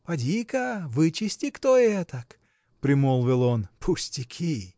– Поди-ка, вычисти кто этак, – примолвил он, – пустяки!